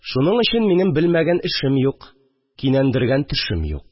Шуның өчен минем белмәгән эшем юк, кинәндергән төшем юк